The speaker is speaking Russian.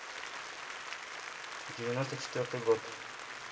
девяносто четвертый год